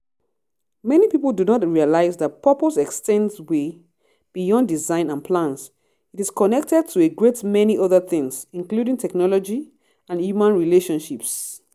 Many people do not realise that purpose extends way beyond design and plans — it is connected to a great many other things, including technology and human relationships.